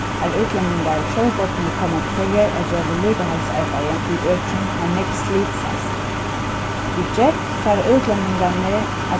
har útlendingar sjálvbodnir koma til føroyar at gera viðlíkahaldsarbeiði í økjum har nógv slit sæst við gjógv fara útlendingarnir